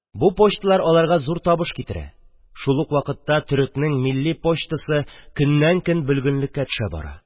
Бу почталар аларга зур табыш китерә, шул ук вакытта, төрекнең милли почтасы көннән-көн бөлгенлеккә төшә бара.